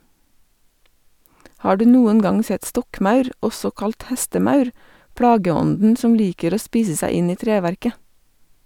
Har du noen gang sett stokkmaur, også kalt hestemaur, plageånden som liker å spise seg inn i treverket?